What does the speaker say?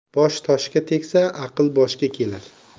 bosh toshga tegsa aql boshga kelar